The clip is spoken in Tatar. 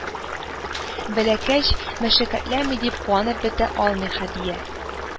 Бәләкәч, мәшәкатьләми дип куанып бетә алмый һәдия